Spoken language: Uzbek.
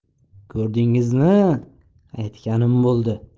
ko'rdingizmi aytganim bo'ldi